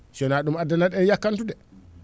si wona ɗum addanat en yakkantu de